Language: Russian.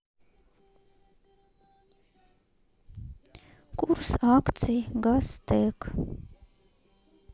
курс акций газ тек